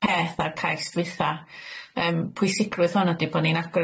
peth â'r cais dwytha yym pwysigrwydd hwn ydi bo' ni'n agor